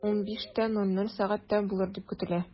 15.00 сәгатьтә булыр дип көтелә.